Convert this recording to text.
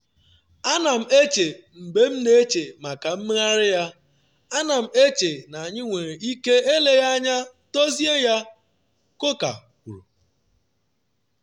“A na m eche mgbe m na-eche maka mmegharị ya, A na m eche na anyị nwere ike eleghị anya dozie ya,” Coker kwuru.